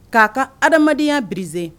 K'a ka adamadenyaya birize